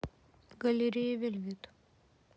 галерея вельвет